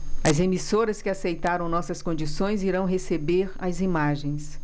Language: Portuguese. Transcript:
as emissoras que aceitaram nossas condições irão receber as imagens